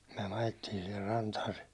me ajettiin siihen rantaan se